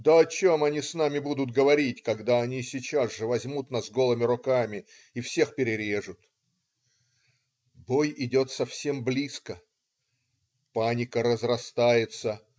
Да о чем они с нами будут говорить, когда они сейчас же возьмут нас голыми руками и всех перережут. " Бой идет совсем близко. Паника разрастается.